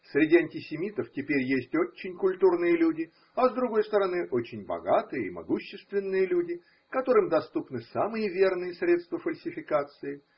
Среди антисемитов теперь есть очень культурные люди, а с другой стороны – очень богатые и могущественные люди, которым доступны самые верные средства фальсификации.